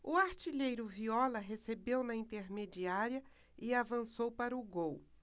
o artilheiro viola recebeu na intermediária e avançou para o gol